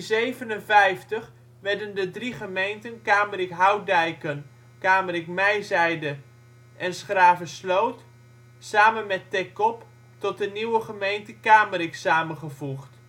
1857 werden de drie gemeenten Kamerik-Houtdijken, Kamerik-Mijzijde, ' s-Gravesloot, samen met Teckop tot de nieuwe gemeente Kamerik samengevoegd